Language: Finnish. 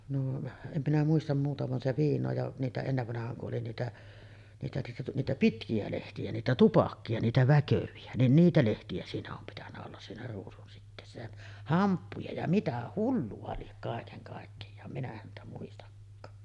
noo en minä muista muuta vaan se viinaa ja niitä ennen vanhaan kun oli niitä niitä niitä niitä pitkiä lehtiä niitä tupakoita niitä väkeviä niin niitä lehtiä siinä on pitänyt olla siinä ruusunsiteessä ja hamppuja ja mitä hullua lie kaiken kaikkiaan minä häntä muistakaan